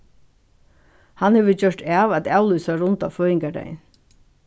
hann hevur gjørt av at avlýsa runda føðingardagin